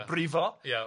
yy brifo..? Ia.